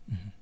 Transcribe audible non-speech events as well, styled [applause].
[hesitation] [hesitation]